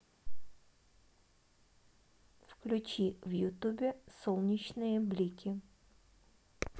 включи в ютубе солнечные блики